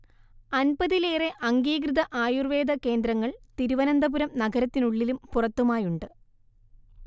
അൻപതിലേറെ അംഗീകൃത ആയുർവേദ കേന്ദ്രങ്ങൾ തിരുവനന്തപുരം നഗരത്തിനുള്ളിലും പുറത്തുമായുണ്ട്